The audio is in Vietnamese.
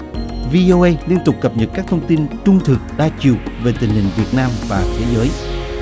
vi âu ây liên tục cập nhật các thông tin trung thực đa chiều về tình hình việt nam và thế giới